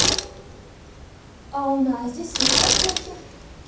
а у нас здесь есть конфетки